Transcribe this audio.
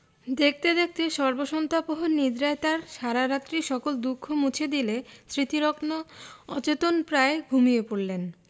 দেখতে দেখতে সর্বসন্তাপহর নিদ্রায় তাঁর সারারাত্রির সকল দুঃখ মুছে দিলে স্মৃতিরত্ন অচেতনপ্রায় ঘুমিয়ে পড়লেন